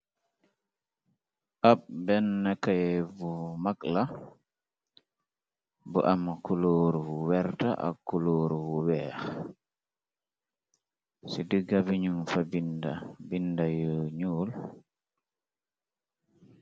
ab benn kaye bu mag la bu am kulooru wu werta ak kulooru wu weex ci diga binu fa binda yu ñuul